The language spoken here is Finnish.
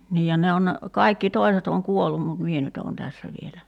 niin ja ne on ne kaikki toiset on kuollut mutta minä nyt olen tässä vielä